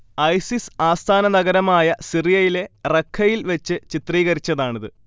ISIS ആസ്ഥാന നഗരമായ സിറിയയിലെ റഖ്ഖയിൽ വച്ച് ചിത്രീകരിച്ചതാണിത്